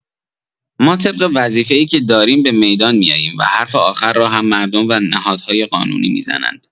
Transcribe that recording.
ما طبق وظیفه‌ای که داریم به میدان می‌آییم و حرف آخر را هم مردم و نهادهای قانونی می‌زنند.